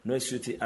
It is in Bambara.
N' ye su tɛ a